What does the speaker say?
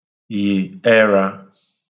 yị̀ ẹra